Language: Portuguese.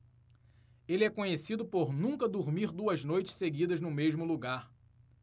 ele é conhecido por nunca dormir duas noites seguidas no mesmo lugar